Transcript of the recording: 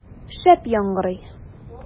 Шәп яңгырый!